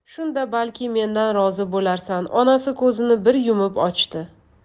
shunda balki mendan rozi bo'larsan onasi ko'zini bir yumib ochdi